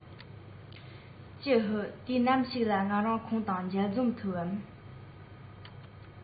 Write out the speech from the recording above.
ཀྱི ཧུད དུས ནམ ཞིག ལ ང རང ཁོང དང མཇལ འཛོམས ཐུབ བམ